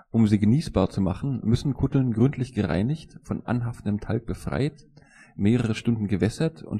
Um sie genießbar zu machen, müssen Kutteln gründlich gereinigt, von anhaftendem Talg befreit, mehrere Stunden gewässert